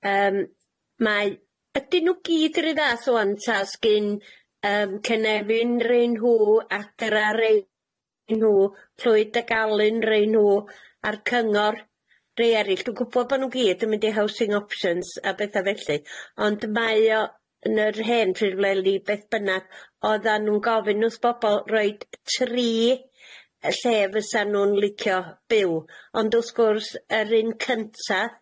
Yym maeM ydyn nw gyd yr ry' fath ŵan 'ta 's gin yym Cynefin rhei nhw, Adra rei nhw, Clwyd ac Alun rei nw rhein nw a'r cyngor rei erill dwi'n gwbod bo nw gyd yn mynd i Housing Options a betha felly ond mae o yn yr hen ffurflennu beth bynnag oddan nw'n gofyn wrth bobol roid tri yy lle fysan nw'n licio byw ond wrth gwrs yr un cynta